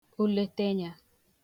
oleteenya